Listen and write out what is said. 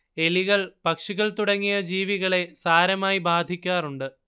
എലികൾ പക്ഷികൾ തുടങ്ങിയ ജീവികളെ സാരമായി ബാധിക്കാറുണ്ട്